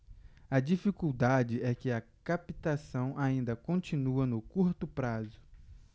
a dificuldade é que a captação ainda continua no curto prazo